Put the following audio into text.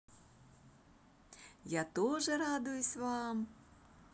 я тоже радуюсь вам